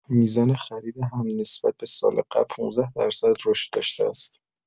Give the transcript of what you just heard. میزان خرید هم نسبت به سال قبل ۱۵ درصد رشد داشته است.